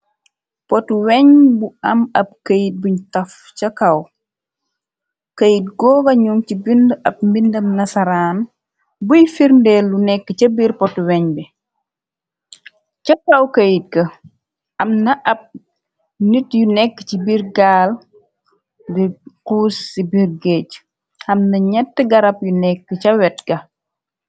Pot weñ bu am ab këyit buñ taf ca kaw këyit googañum ci bind ab mbindam nasaraan buy firndee lu nekk ca biir pot weñ bi ca kaw këyit ka amna ab nit yu nekk ci bir gaal di xuus ci bir géej amna ñett garab yu nekk ca wet ga.